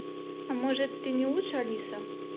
а может ты не лучше алиса